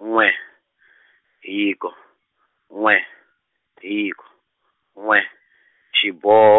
n'we hiko n'we hiko n'we xiboho